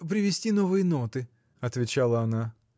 – Привезти новые ноты, – отвечала она.